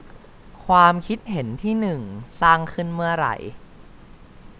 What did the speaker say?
ความคิดเห็นที่หนึ่งสร้างขึ้นเมื่อไร